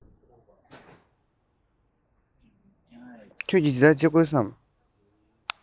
ཁྱོད ཀྱིས ཅི ཞིག བྱེད དགོས སམ